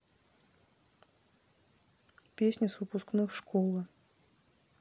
песни с выпускных школы